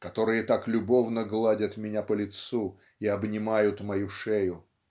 которые так любовно гладят меня по лицу и обнимают мою шею".